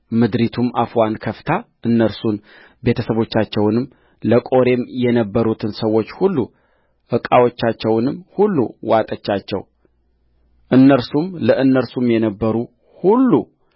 ምድሪቱም አፍዋን ከፍታ እነርሱን ቤተ ሰቦቻቸውንም ለቆሬም የነበሩትን ሰዎች ሁሉ ዕቃዎቻቸውንም ሁሉ ዋጠቻቸውእነርሱም ለእነርሱም የነበሩ ሁሉ